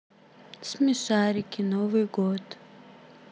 смешарики новый год